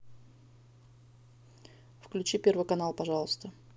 включи первый канал пожалуйста